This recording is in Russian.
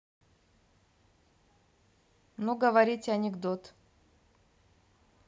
ну говорите анекдот